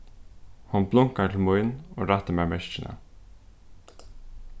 hon blunkar til mín og rættir mær merkini